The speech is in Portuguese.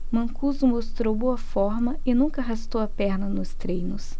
mancuso mostrou boa forma e nunca arrastou a perna nos treinos